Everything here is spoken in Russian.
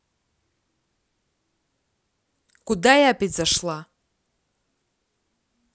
куда я опять зашла